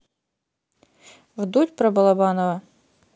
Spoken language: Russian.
вдудь про балабанова